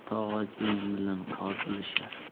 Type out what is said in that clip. tog'a jiyan bilan qozilashar